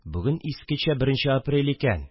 Бүген искечә беренче апрель икән